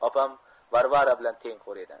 opam varvara bilan tengqur edi